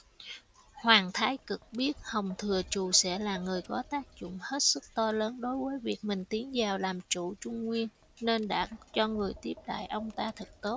hoàng thái cực biết hồng thừa trù sẽ là người có tác dụng hết sức to lớn đối với việc mình tiến vào làm chủ trung nguyên nên đã cho người tiếp đãi ông ta thực tốt